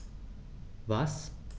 Was?